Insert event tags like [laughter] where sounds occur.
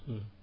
[hesitation] [hesitation]